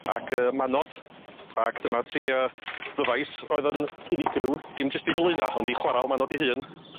Ac yy Manod ac dyma ti yy ddyfais oedd yn unigryw dim jyst i Blaena' ond i chwaral Manod 'i hun.